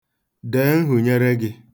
Dee nhunyere gị